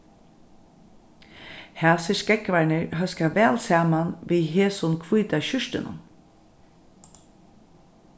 hasir skógvarnir hóska væl saman við hesum hvíta skjúrtinum